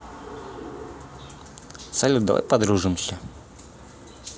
салют давай подружимся